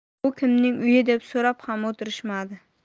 bu kimning uyi deb so'rab ham o'tirishmadi